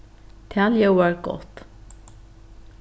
tað ljóðar gott